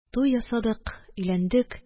Туй ясадык, өйләндек...